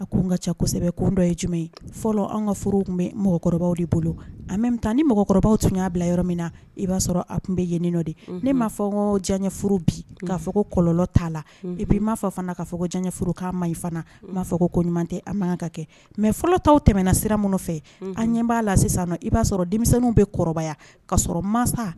Asɛbɛ ye jumɛn fɔlɔ ka mɔgɔkɔrɔbaw de bolo ni mɔgɔkɔrɔbaw tun y'a bila yɔrɔ min na i b'a sɔrɔ a tun bɛ yen n nɔ de ne m maa fɔ n ko janf bi kaa fɔ ko kɔlɔnlɔ t'a la i bi n ma fɔ fana ka fɔ jafkan ma fana b'a fɔ ko ɲuman tɛ an ka kɛ mɛ fɔlɔ tɔw tɛmɛna sira minnu fɛ an ɲɛ b'a la sisan i b'a sɔrɔ denmisɛnninw bɛ kɔrɔbaya ka masa